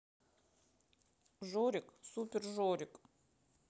жорик супер жорик